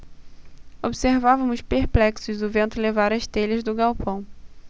observávamos perplexos o vento levar as telhas do galpão